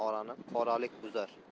orani qoralik buzar